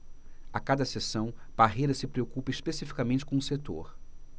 a cada sessão parreira se preocupa especificamente com um setor